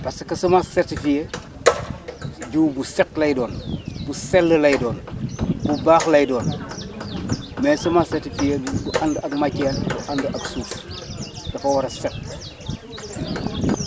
parce que semence certifiée jiwu bu set lay doon bu sell lay doon bu baax lay doon mais semence certifiée du ànd ak matières du ànd ak suuf dafa war a set